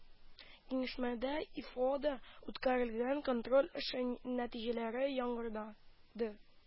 Киңәшмәдә ИФОда үткәрелгән контроль эше нәтиҗәләре яңгырды